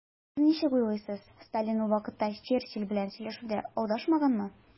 Сез ничек уйлыйсыз, Сталин ул вакытта Черчилль белән сөйләшүдә алдашмаганмы?